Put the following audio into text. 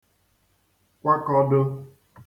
kwakọdo